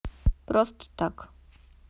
просто так